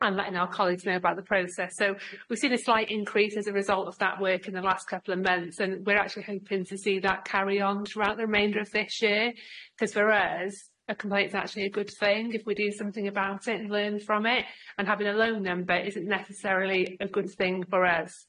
and letting our colleagues know about the process. So we've seen a slight increase as a result of that work in the last couple of months, and we're actually hoping to see that carry on throughout the remainder of this year, cause for us a complaint's actually a good thing if we do something about it and learn from it. And having a low number isn't necessarily a good thing for us.